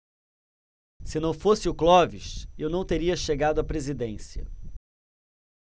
se não fosse o clóvis eu não teria chegado à presidência